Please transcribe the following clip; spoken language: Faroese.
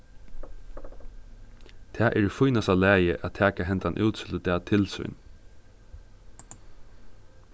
tað er í fínasta lagi at taka hendan útsøludag til sín